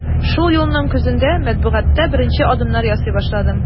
Шул елның көзендә матбугатта беренче адымнар ясый башладым.